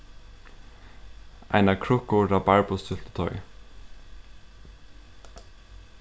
eina krukku rabarbusúltutoy